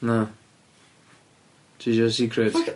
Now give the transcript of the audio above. Na, ti isio secrets?